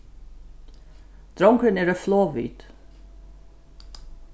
drongurin er eitt flogvit